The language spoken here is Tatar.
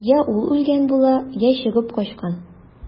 Йә ул үлгән була, йә чыгып качкан.